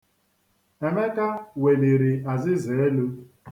Emeka weliri azịza elu.